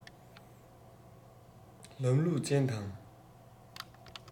ལམ ལུགས ཅན དང